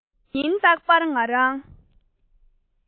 ཉིན རྟག པར ང རང